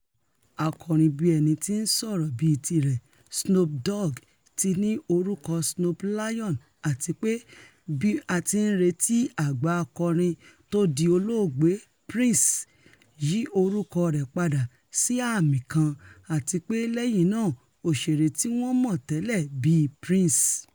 Akọrinbíẹnití-ń-sọ̀rọ̀ bí tirẹ̀, Snoop Dogg ti ní orúkọ Snoop Lion àtipe bí a ti ńretí àgbà akọrin tódi olóògbé Prince, yí orúkọ rẹ̵̀ padà sí àmì kan àtipé lẹ́yìn náà òṣèré tíwọn mọ̀ tẹ́lẹ̀ bíi Prince.